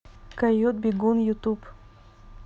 койот бегун ютуб